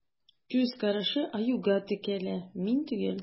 Күз карашы Аюга текәлә: мин түгел.